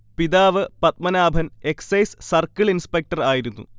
പിതാവ് Padmanabhan excise circle inspector ആയിരുന്നു